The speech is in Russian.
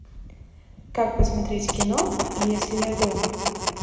как посмотреть кино если я дома